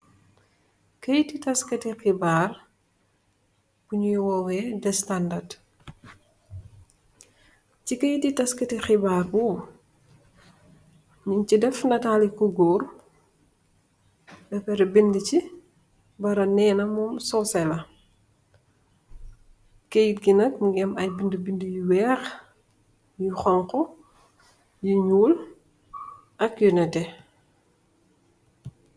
Keyti tass kati xibaar mu nyui woyeh the Standard si keyti tass kati xibaar bo nyun si deff netali ku goor ba pareh benda si Barrow nene momm sosela keyt gi nak mogi am ay benda benda bu weex yu xonxu yu nuul ak yu netex.